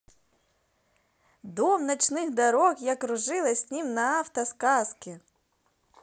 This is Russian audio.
дом ночных дорог я кружилась с ним на авто сказки